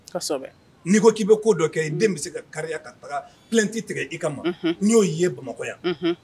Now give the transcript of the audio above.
N'i ko k'i bɛ ko dɔ kɛ n den bɛ se ka ka ka p tɛ tigɛ i ka ma n' y'o ye bamakɔ yan